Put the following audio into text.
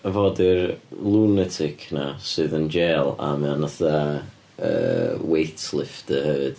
A'i fo ydi'r lunatic yna sydd yn jêl a ma o'n fatha yy weight lifter hefyd?